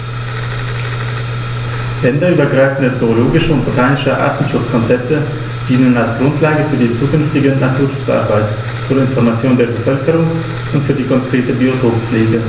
Länderübergreifende zoologische und botanische Artenschutzkonzepte dienen als Grundlage für die zukünftige Naturschutzarbeit, zur Information der Bevölkerung und für die konkrete Biotoppflege.